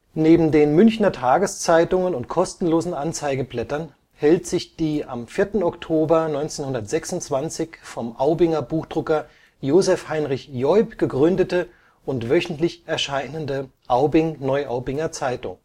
Neben den Münchner Tageszeitungen und kostenlosen Anzeigenblättern hält sich die am 4. Oktober 1926 vom Aubinger Buchdrucker Joseph Heinrich Jeup (1862 - 1947) gegründete und wöchentlich erscheinende Aubing-Neuaubinger Zeitung